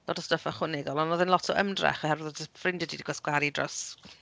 Lot o stwff ychwanegol. Ond roedd e'n lot o ymdrech, oherwydd oedd ffrindiau ti 'di gwasgaru dros...